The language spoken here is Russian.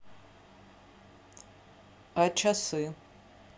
а часы